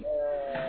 Naamu